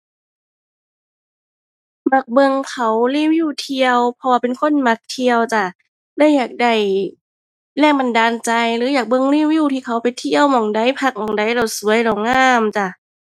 มักเบิ่งเขารีวิวเที่ยว เพราะว่าเป็นคนมักเที่ยวจ้า เลยอยากได้แรงบันดาลใจหรืออยากเบิ่งรีวิวที่เขาไปเที่ยวหม้องใด พักหม้องใดแล้วสวย แล้วงามจ้า